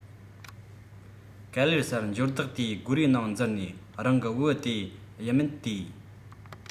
ག ལེར སར འབྱོར བདག དེའི སྒོ རའི ནང འཛུལ ནས རང གི བེའུ དེ ཡིད མེད བལྟས